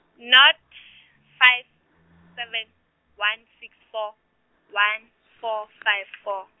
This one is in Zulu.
nought, five seven, one six four, one four five four.